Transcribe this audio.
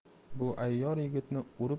bu ayyor yigitni urib